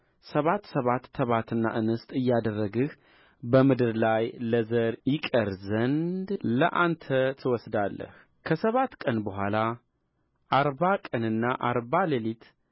ሰባት ሰባት ተባትና እንስት እያደረግህ በምድር ላይ ለዘር ይቀር ዘንድ ለአንተ ትወስዳለህ ከሰባት ቀን በኋላ አርባ ቀንና አርባ ሌሊት